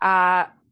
A